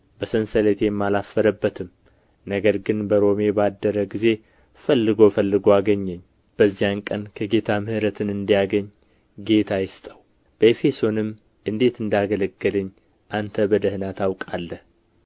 በሰንሰለቴም አላፈረበትም ነገር ግን በሮሜ ባደረ ጊዜ ፈልጎ ፈልጎ አገኘኝ በዚያን ቀን ከጌታ ምሕረትን እንዲያገኝ ጌታ ይስጠው በኤፌሶንም እንዴት እንዳገለገለኝ አንተ በደኅና ታውቃለህ